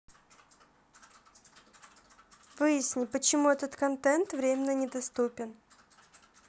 выясни почему этот контент временно недоступен